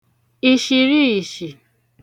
ìshìriìshì